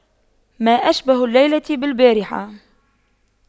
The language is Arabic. ما أشبه الليلة بالبارحة